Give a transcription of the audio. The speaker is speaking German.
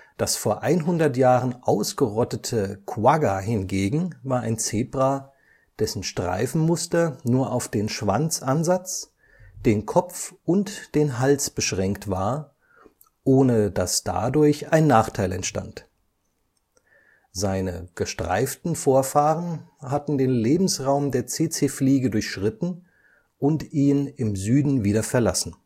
Das vor 100 Jahren ausgerottete Quagga hingegen war ein Zebra, dessen Streifenmuster nur auf den Schwanzansatz, den Kopf und den Hals beschränkt war, ohne dass dadurch ein Nachteil entstand. Seine – gestreiften – Vorfahren hatten den Lebensraum der Tsetse-Fliege durchschritten und ihn im Süden wieder verlassen